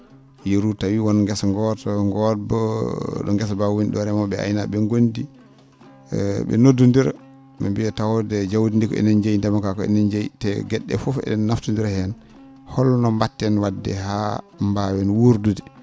yeru tawii woon ngesa goota ?o ngesa mbaa woni ?o remoo?e e aynaa?e ngondi e ?e noddonndira ?e mbiya tawde jawdi ndii ko enen njeyi ndema kaa ko enen njeyi te ge?e ?ee fof en naftonndira heen holno mba?eten wadde haa mbaawen wuurdude